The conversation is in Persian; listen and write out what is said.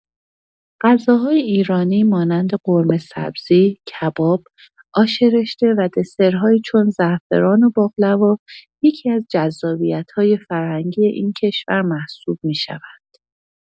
غذاهای ایرانی مانند قورمه‌سبزی، کباب، آش‌رشته و دسرهایی چون زعفران و باقلوا، یکی‌از جذابیت‌های فرهنگی این کشور محسوب می‌شوند.